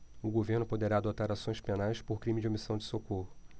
o governo poderá adotar ações penais por crime de omissão de socorro